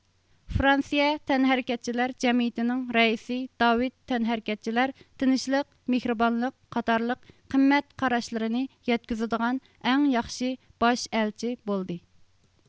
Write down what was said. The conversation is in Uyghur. فرانسىيە تەنھەرىكەتچىلەر جەمئىيىتىنىڭ رەئىسى داۋىد تەنھەرىكەتچىلەر تىنچلىق مېھرىبانلىق قاتارلىق قىممەت قاراشلىرىنى يەتكۈزىدىغان ئەڭ ياخشى باش ئەلچى بولدى